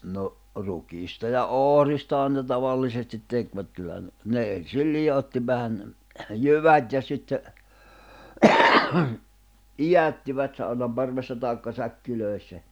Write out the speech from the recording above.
no rukiista ja ohristahan ne tavallisesti tekivät kyllähän ne ensin liotti vähän jyvät ja sitten idättivät saunan parvessa tai säkeissä